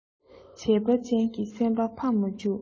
བྱས པ ཅན གྱི སེམས པ ཕམ མ འཇུག